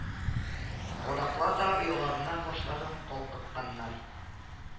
Кадаклар да ояларыннан башларын калкытканнар